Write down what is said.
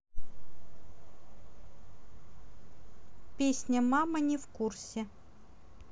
песня мама не в курсе